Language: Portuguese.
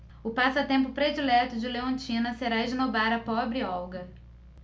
o passatempo predileto de leontina será esnobar a pobre olga